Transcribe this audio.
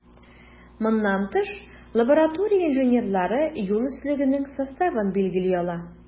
Моннан тыш, лаборатория инженерлары юл өслегенең составын билгели ала.